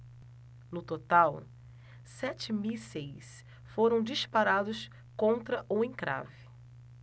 no total sete mísseis foram disparados contra o encrave